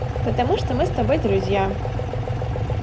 потому что мы с тобой друзья